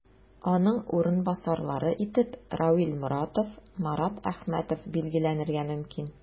Аның урынбасарлары итеп Равил Моратов, Марат Әхмәтов билгеләнергә мөмкин.